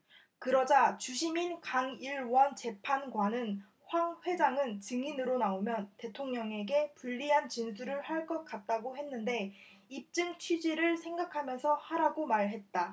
그러자 주심인 강일원 재판관은 황 회장은 증인으로 나오면 대통령에게 불리한 진술을 할 것 같다고 했는데 입증 취지를 생각하면서 하라고 말했다